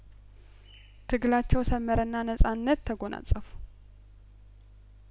ትግላቸው ሰመረና ነጻነት ተጐናጸፉ